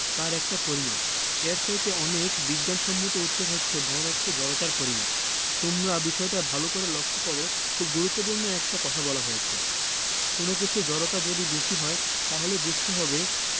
তার একটা পরিমাপ এর চাইতে অনেক বিজ্ঞানসম্মত উত্তর হচ্ছে ভর হচ্ছে জড়তার পরিমাপ তোমরা বিষয়টা ভালো করে লক্ষ করো খুব গুরুত্বপূর্ণ একটা কথা বলা হয়েছে কোনো কিছুর জড়তা যদি বেশি হয় তাহলে বুঝতে হবে